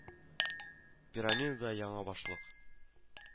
Пирамида да яңа башлык